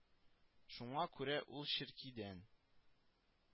Шуңа күрә ул черкидән: